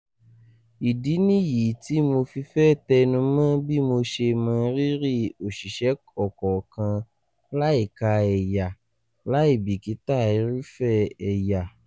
Ìdí nìyí tí mo fi fẹ́ tẹnumọ́ bí mo ṣe mọ rírì òṣìṣẹ́ ọ̀kọ̀ọ̀kan, láì kà ẹ̀yà kláìbìkítà irúfẹ́ ẹ̀yà.